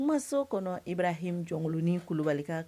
Ma so kɔnɔ i bɛ h jɔnkolonnin kulubali